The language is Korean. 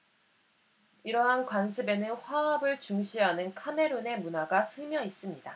이러한 관습에는 화합을 중시하는 카메룬의 문화가 스며 있습니다